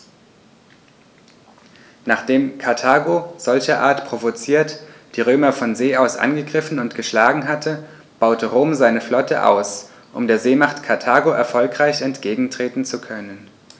Nachdem Karthago, solcherart provoziert, die Römer von See aus angegriffen und geschlagen hatte, baute Rom seine Flotte aus, um der Seemacht Karthago erfolgreich entgegentreten zu können.